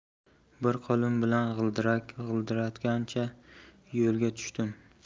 bir qo'lim bilan g'ildirak g'ildiratgancha yo'lga tushdim